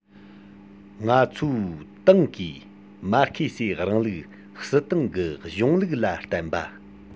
ང ཚོའི ཏང གིས མར ཁེ སིའི རིང ལུགས སྲིད ཏང གི གཞུང ལུགས ལ བརྟེན པ